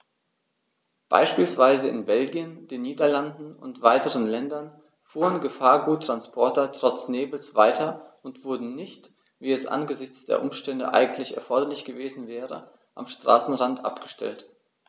Beispielsweise in Belgien, den Niederlanden und weiteren Ländern fuhren Gefahrguttransporter trotz Nebels weiter und wurden nicht, wie es angesichts der Umstände eigentlich erforderlich gewesen wäre, am Straßenrand abgestellt.